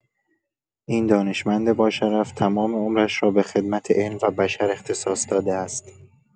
این دانشمند با شرف، تمام عمرش را به خدمت علم و بشر اختصاص داده است.